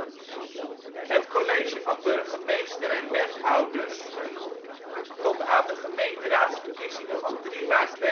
college van burgemeester en wethouders, tot aan de gemeenteraadsverkiezingen van 3 maart 2010